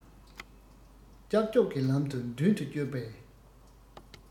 ཀྱག ཀྱོག གི ལམ དུ མདུན དུ བསྐྱོད པའི